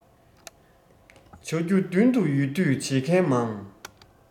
བྱ རྒྱུ མདུན དུ ཡོད དུས བྱེད མཁན མང